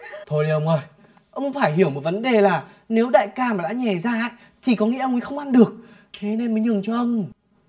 thôi đi ông ơi ông phải hiểu một vấn đề là nếu đại ca mà đã nhè ra í thì có nghĩa ông ý không ăn được thế nên mới nhường cho ông